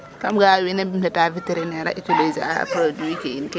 ka ga a win we ndeta vétérinaire a utiliser a produit ke yiin kene yiin